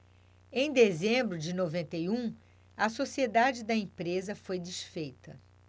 em dezembro de noventa e um a sociedade da empresa foi desfeita